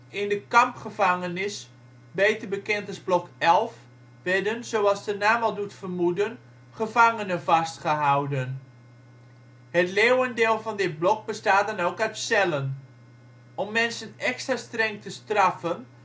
In de kampgevangenis (beter bekend als blok 11) werden, zoals de naam al doet vermoeden, gevangenen vastgehouden. Het leeuwendeel van dit blok bestaat dan ook uit cellen. Om mensen extra streng te straffen